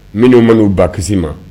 Minnu ma y'u ba kisi ma